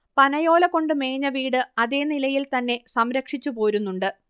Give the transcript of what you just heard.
പനയോലകൊണ്ട് മേഞ്ഞ വീട് അതേ നിലയിൽ തന്നെ സംരക്ഷിച്ചുപോരുന്നുണ്ട്